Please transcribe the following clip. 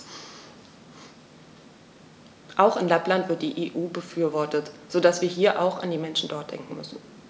Auch in Lappland wird die EU befürwortet, so dass wir hier auch an die Menschen dort denken müssen.